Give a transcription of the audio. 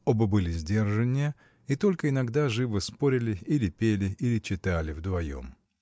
Оба были сдержаннее, и только иногда живо спорили, или пели, или читали вдвоем.